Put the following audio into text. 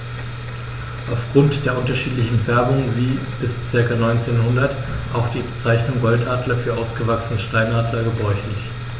Auf Grund der unterschiedlichen Färbung war bis ca. 1900 auch die Bezeichnung Goldadler für ausgewachsene Steinadler gebräuchlich.